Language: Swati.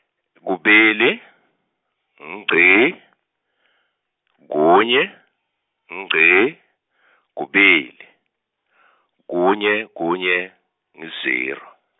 kubili ngci kunye ngci kubili kunye kunye ngu zero.